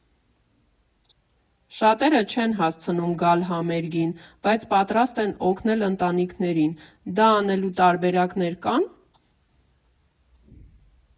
Շատերը չեն հասցնում գալ համերգին, բայց պատրաստ են օգնել ընտանիքներին, դա անելու տարբերակներ կա՞ն։